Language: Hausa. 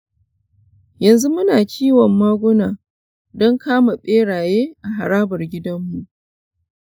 yanzu muna kiwon maguna don kama beraye a harabar gidanmu.